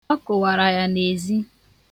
Ọ kụwara ya n'ezi.